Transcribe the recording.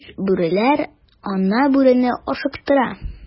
Яшь бүреләр ана бүрене ашыктыра.